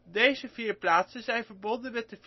Deze vier plaatsen zijn verbonden met